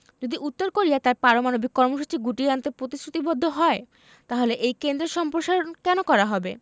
যদি উত্তর কোরিয়া তার পারমাণবিক কর্মসূচি গুটিয়ে আনতে প্রতিশ্রুতিবদ্ধ হয় তাহলে এই কেন্দ্রের সম্প্রসারণ কেন করা হবে